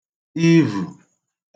ivə